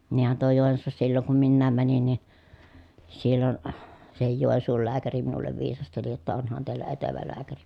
niinhän tuo Joensuussa silloin kun minäkin menin niin silloin sekin Joensuun lääkäri minulle viisasteli jotta onhan teillä etevä lääkäri